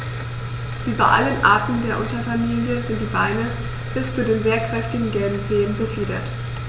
Wie bei allen Arten der Unterfamilie sind die Beine bis zu den sehr kräftigen gelben Zehen befiedert.